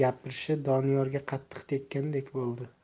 gapirishi doniyorga qattiq tekkandek bo'ldi